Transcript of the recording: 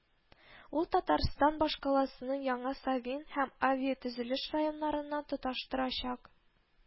Ул Татарстан башкаласының Яңа Савин һәм Авиатөзелеш районнарын тоташтырачак